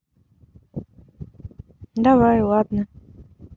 давай ладно